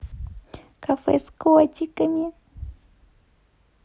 кафе с котиками